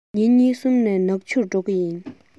ཉིན གཉིས གསུམ ནས ནག ཆུར འགྲོ གི ཡིན